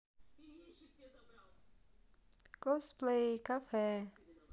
косплей кафе